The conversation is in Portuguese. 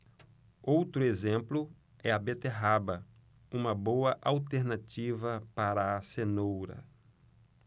outro exemplo é a beterraba uma boa alternativa para a cenoura